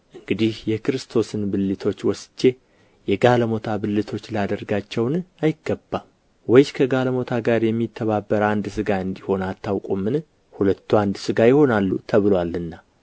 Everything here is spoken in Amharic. እንግዲህ የክርስቶስን ብልቶች ወስጄ የጋለሞታ ብልቶች ላድርጋቸውን አይገባም ወይስ ከጋለሞታ ጋር የሚተባበር አንድ ሥጋ እንዲሆን አታውቁምን ሁለቱ አንድ ሥጋ ይሆናሉ ተብሎአልና